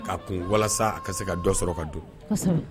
Ka kun walasa a ka se ka dɔ sɔrɔ ka duuru